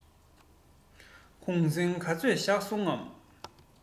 གུང གསེང ག ཚོད བཞག སོང ངམ